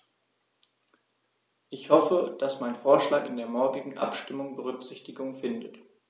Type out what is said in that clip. Ich hoffe, dass mein Vorschlag in der morgigen Abstimmung Berücksichtigung findet.